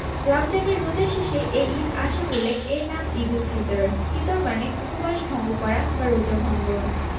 রমজানের রোজার শেষে এই ঈদ আসে বলে এর নাম ঈদুল ফিতর ফিতর মানে উপবাস ভঙ্গ করা বা রোজা ভঙ্গন